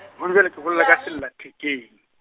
gona bjale ke bolela ka sellathekeng.